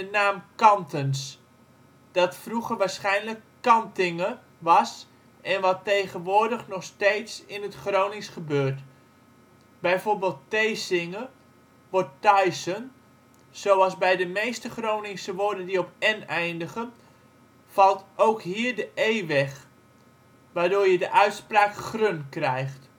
naam Kantens, dat vroeger waarschijnlijk Kantinge was en wat tegenwoordig nog steeds in het Gronings gebeurt, bijvoorbeeld Thesinge wordt Taisen. Zoals bij de meeste Groningse woorden die op - en eindigen, valt ook hier de - e weg, waardoor je de uitspraak grunn krijgt